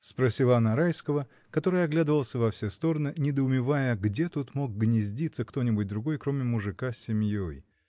— спросила она Райского, который оглядывался во все стороны, недоумевая, где тут мог гнездиться кто-нибудь другой, кроме мужика с семьей.